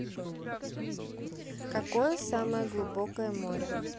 какое самое глубокое море